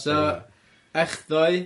So echdoe.